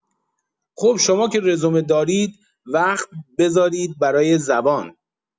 خب شما که رزومه دارید، وقت بذارید برای زبان